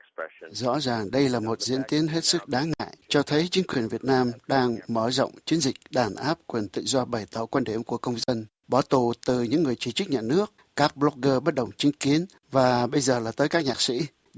rõ ràng đây là một diễn tiến hết sức đáng ngại cho thấy chính quyền việt nam đang mở rộng chiến dịch đàn áp quyền tự do bày tỏ quan điểm của công dân bỏ tù từ những người chỉ trích nhà nước các bờ lóc gơ bất đồng chính kiến và bây giờ là tới các nhạc sĩ